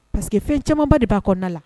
Parce que fɛn camanba de b'a kɔɔna la